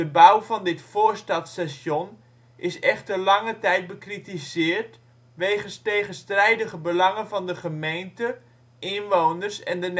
bouw van dit voorstadstation is echter lange tijd bekritiseerd wegens tegenstrijdige belangen van de gemeente, inwoners en de